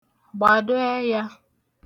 gbàdo ẹyā